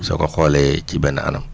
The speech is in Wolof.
soo ko xoolee ci benn anam